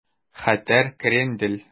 Хәтәр крендель